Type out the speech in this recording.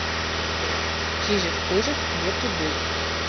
чижик пыжик где ты был